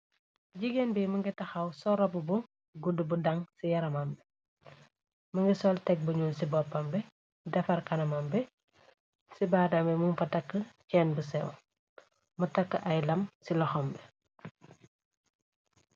Jigéen bi më nga taxaw sol rob bu gudd bu daŋ ci yaramam bi. Mi nga sol teg bu ñuol ci boppam bi defar kanamam bi. Ci baadambi mum pa takk cenn bu sew mu takk ay lam ci loxam bi.